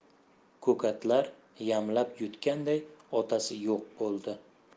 ko'katlar yamlab yutganday otasi yo'q bo'ldi